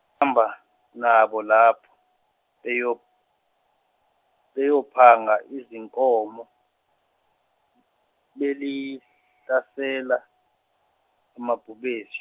-amba nabo lapho, beyo- beyophanga izinkomo, belihlasela amabhubesi.